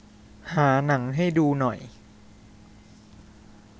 หาหนังให้ดูหน่อย